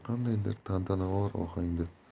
qandaydir tantanavor ohangda